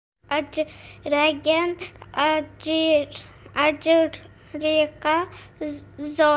ajragan ajriqqa zor